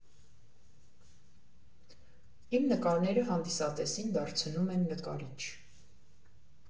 Իմ նկարները հանդիսատեսին դարձնում են նկարիչ։